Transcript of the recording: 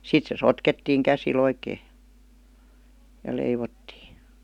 sitten se sotkettiin käsillä oikein ja ja leivottiin